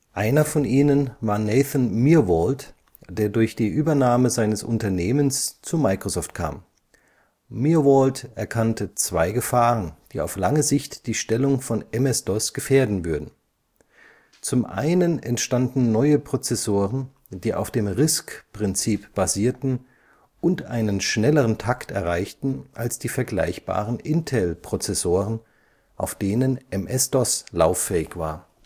Einer von ihnen war Nathan Myhrvold, der durch die Übernahme seines Unternehmens zu Microsoft kam. Myhrvold erkannte zwei Gefahren, die auf lange Sicht die Stellung von MS-DOS gefährden würden. Zum einen entstanden neue Prozessoren, die auf dem RISC-Prinzip basierten und einen schnelleren Takt erreichten als die vergleichbaren Intel-Prozessoren, auf denen MS-DOS lauffähig war